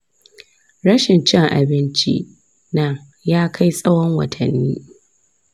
rashin cin abinci na ya kai tsawon watanni.